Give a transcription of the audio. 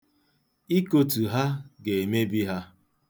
Ikotu ha ga-emebi ha.